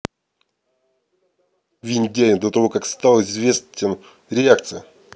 виндяй до того как стал известен реакция